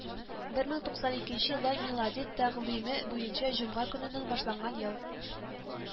Бер мең туксан икенче ел милади тәкъвиме буенча җомга көненнән башланган ел